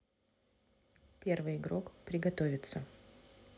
первый игрок приготовиться